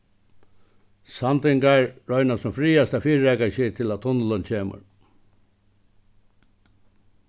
sandoyingar royna sum frægast at fyrireika seg til at tunnilin kemur